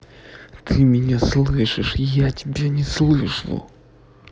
ты меня слышишь я тебя не слышу